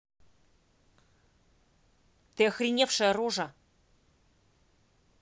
ты охреневшая рожа